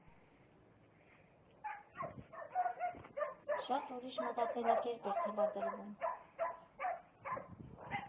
Շատ ուրիշ մտածելակերպ էր թելադրվում։